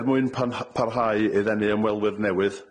Er mwyn panh- parhau i ddenu ymwelwyr newydd,